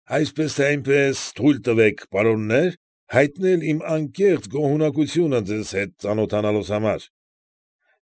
Այսպես թե այնպես, թույլ տվեք, պարոններ, հայտնել իմ անկեղծ գոհունակությունը ձեզ հետ ծանոթանալուս համար։